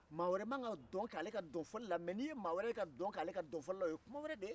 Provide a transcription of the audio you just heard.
maa wɛrɛ man kan ka dɔnkɛ ale ka dɔn fɔli la mɛ ni ye maa wɛrɛ ye ka dɔnkɛ ale ka dɔnfɔli la o ye kuma wɛrɛ de ye